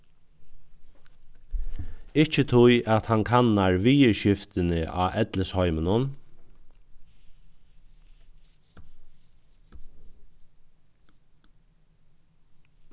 ikki tí at hann kannar viðurskiftini á ellisheiminum